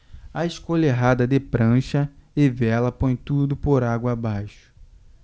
a escolha errada de prancha e vela põe tudo por água abaixo